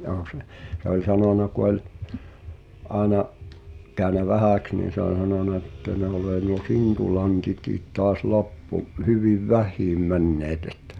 joo se se oli sanonut kun oli aina käynyt vähäksi niin se on sanonut että ne on nuo sintulantit taas loppu hyvin vähiin menneet että